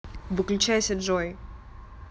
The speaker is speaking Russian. выключайся джой